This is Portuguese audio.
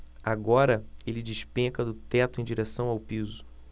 agora ele despenca do teto em direção ao piso